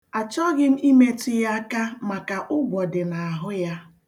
Achog̣hị imetu ya aka maka ụgwọ dị n'ahụ ya.